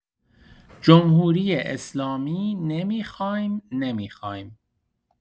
جمهوری‌اسلامی نمی‌خوایم، نمی‌خوایم